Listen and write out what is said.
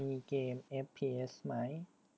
มีเกมเอฟพีเอสไหม